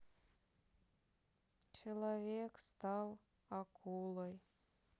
человек стал акулой